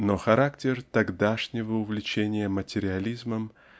Но характер тогдашнего увлечения материализмом